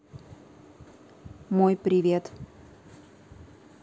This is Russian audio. мой привет